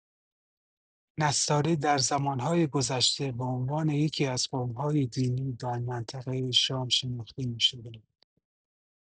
نصاری در زمان‌های گذشته به‌عنوان یکی‌از قوم‌های دینی در منطقه شام شناخته می‌شدند.